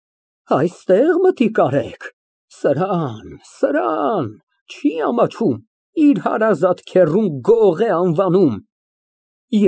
Այստեղ մտիք արեք, սրան, չի ամաչում իր հարազատ քեռուն գող է անվանուն։